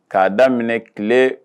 K'a daminɛ minɛ tile